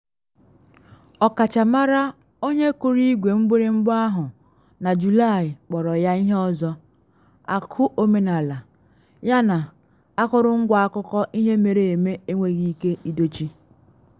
Ọkachamara onye kụrụ igwe mgbịrịmgba ahụ na Julaị kpọrọ ya ihe ọzọ: “Akụ omenala” yana “akụrụngwa akụkọ ihe mere eme enweghị ike idochi.”